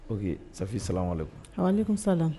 O que sa sa ne kunsa